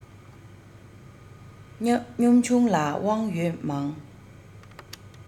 སྙོམས ཆུང ལ དབང ཡོད མང